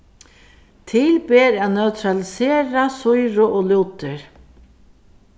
til ber at neutralisera sýru og lútir